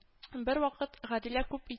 Бервакыт Гадилә күп